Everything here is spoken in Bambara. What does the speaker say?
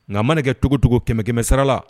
Nka ma kɛ cogocogo kɛmɛ kɛmɛsira la